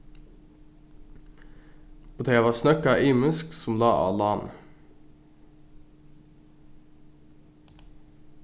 og tey hava snøggað ymisk sum lá á láni